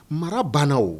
Mara banna